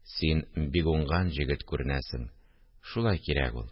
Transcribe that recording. Син бик уңган җегет күренәсең, шулай кирәк ул